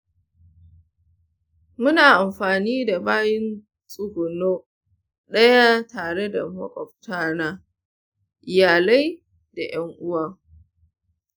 muna amfani da bayin tsuguno ɗaya tare da maƙwabtan iyalai da yawa.